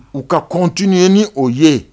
U ka continuer ni o ye